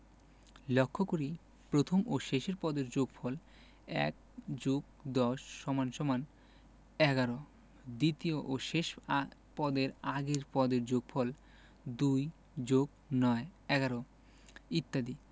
লক্ষ করি প্রথম ও শেষ পদের যোগফল ১+১০=১১ দ্বিতীয় ও শেষ পদের আগের পদের যোগফল ২+৯=১১ ইত্যাদি